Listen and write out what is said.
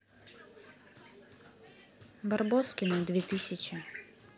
барбоскины две тысячи